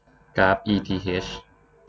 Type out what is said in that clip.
กราฟอีทีเฮช